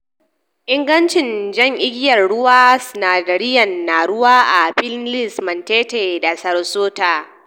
Ingancin Jan Igiyar Ruwa Sinadarai na raguwa a Pinellas, Manatee da Sarasota